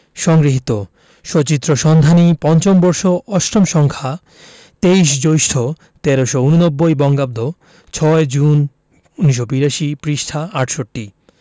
সংগৃহীত সচিত্র সন্ধানী৫ম বর্ষ ৮ম সংখ্যা ২৩ জ্যৈষ্ঠ ১৩৮৯ বঙ্গাব্দ ৬ জুন ১৯৮২ পৃষ্ঠাঃ ৬৮